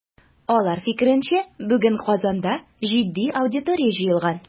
Алар фикеренчә, бүген Казанда җитди аудитория җыелган.